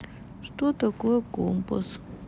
что такое комас